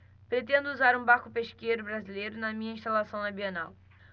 pretendo usar um barco pesqueiro brasileiro na minha instalação na bienal